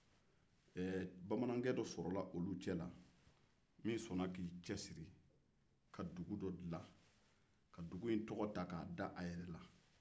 bamanankɛ dɔ sɔrɔla olu cɛla min sɔnna k'i cɛsiri k'a dugu dɔ dila ka dugu tɔgɔ da yɛrɛ la